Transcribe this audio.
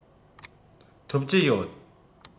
ཐོབ ཀྱི ཡོད